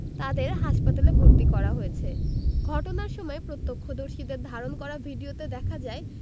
তাদের হাসপাতালে ভর্তি করা হয়েছে ঘটনার সময় প্রত্যক্ষদর্শীদের ধারণ করা ভিডিওতে দেখা যায়